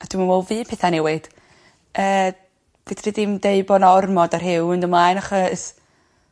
A dwi'm yn me'wl fydd petha'n newid. Yy fedri dim deu bo' 'na ormod o rhyw mynd ymlaen achos